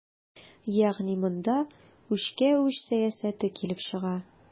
Ягъни монда үчкә-үч сәясәте килеп чыга.